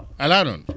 alaa noon